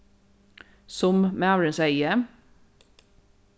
sum maðurin segði